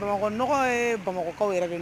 Bamakɔ nɔgɔ ye bamakɔ kaw yɛrɛ